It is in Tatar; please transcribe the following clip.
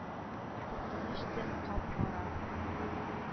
Куркыныч төн кап-кара...